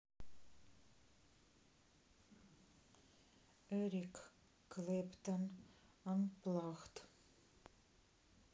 эрик клэптон анплагд